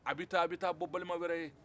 a bɛ taa a bɛ taa bɔ balima wɛrɛ ye